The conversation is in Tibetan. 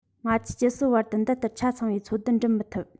ང ཚོས ཇི སྲིད བར དུ འདི ལྟར ཆ ཚང བའི འཚོལ སྡུད འགྲུབ མི ཐུབ